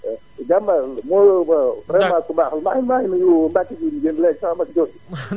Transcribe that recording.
ku jambaare la mais yow vraiment ku baax nga maa maa ngi nuyu Mabacke mi fi génn léegi sama mag jooju